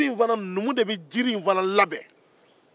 numu de be jiri in fana labɛn